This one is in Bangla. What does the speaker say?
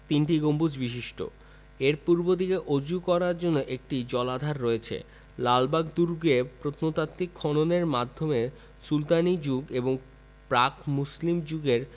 তিন গম্বুজ বিশিষ্ট এর পূর্বদিকে ওজু করার জন্য একটি জলাধার রয়েছে লালবাগ দুর্গে প্রত্নতাত্ত্বিক খননের মাধ্যমে সুলতানি যুগ এবং প্রাক মুসলিম যুগের